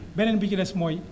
beneen bi ci des mooy